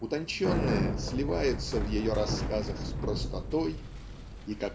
утонченное сливается в ее рассказах с простотой и